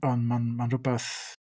Ond ma'n ma'n rywbeth...